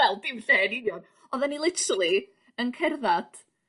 Wel dim lle yn union. Oddan ni literally yn cerddad